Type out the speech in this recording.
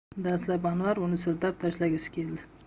dastlab anvar uni siltab tashlagisi keldi